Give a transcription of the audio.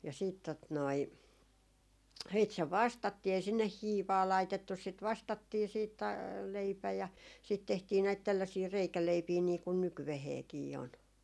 ja sitten tuota noin sitten se vastattiin ei sinne hiivaa laitettu sitä vastattiin sitten - leipä ja siitä tehtiin näitä tällaisia reikäleipiä niin kuin nykyäänkin on